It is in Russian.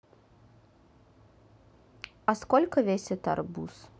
а сколько весит арбуз